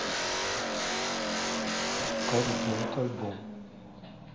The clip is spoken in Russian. как сделать альбом